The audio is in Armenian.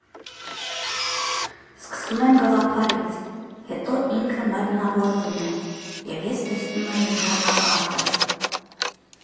Սկսում եմ գաղափարից, հետո ինքը մարմնավորվում է, և ես տեսնում եմ նրա ավարտը.